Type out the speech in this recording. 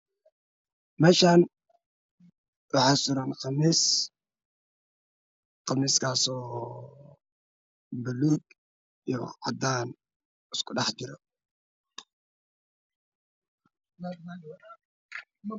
Meeshaan waxaa suran qamiis cadaan iyo buluug ah .